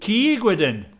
Cig wedyn.